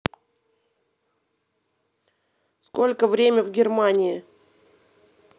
сколько время в германии